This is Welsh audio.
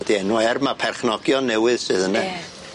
'di enw er ma' perchnogion newydd sydd yne? Ie.